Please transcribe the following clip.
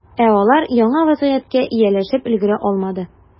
Ә алар яңа вәзгыятькә ияләшеп өлгерә алмады.